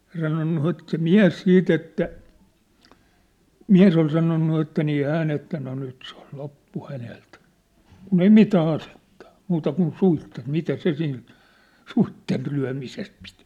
oli sanonut - se mies sitten että mies oli sanonut että niin hän että no nyt se oli loppu häneltä kun ei mitään asetta ole muuta kuin suitset mitä se sillä suitsienlyömisellä piti